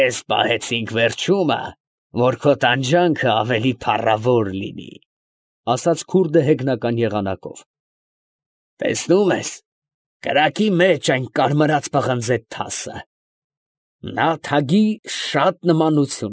Քեզ պահեցինք վերջումը, որ քո տանջանքը ավելի փառավոր լինի, ֊ ասաց քուրդը հեգնական եղանակով։ ֊ Տեսնում ես կրակի մեջ այն կարմրած պղնձե թասը. նա թագի շատ նմանություն։